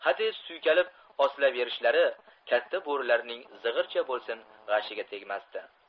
hadeb suykalib osilaverishlari katta bo'rilarning zig'ircha bo'lsin g'ashiga tegmasdi